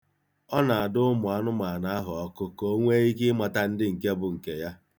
Ọ na-ada ụmụ anụmaanụ ahụ ọkụ ka o nwee ike mata ndị bụ nke ya.